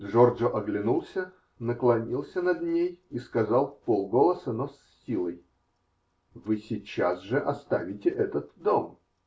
Джорджо оглянулся, наклонился над ней и сказал вполголоса, но с силой: -- Вы сейчас же оставите этот дом.